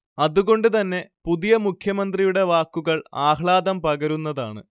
അതുകൊണ്ടുതന്നെ പുതിയ മുഖ്യമന്ത്രിയുടെ വാക്കുകൾ ആഹ്ലാദം പകരുന്നതാണ്